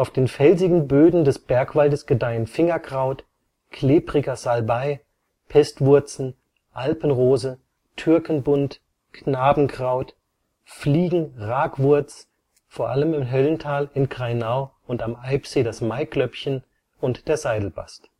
den felsigen Böden des Bergwaldes gedeihen Fingerkraut, klebriger Salbei, Pestwurzen, Alpenrose, Türkenbund, Knabenkraut, Fliegen-Ragwurz; vor allem im Höllental, in Grainau und am Eibsee das Maiglöckchen und der Seidelbast